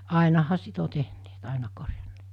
ainahan sitä on tehneet aina korjanneet